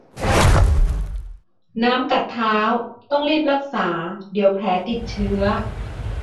น้ำกัดเท้าต้องรีบรักษาเดี๋ยวแผลติดเชื้อ